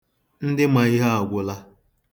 Ndị ma ihe agwụla.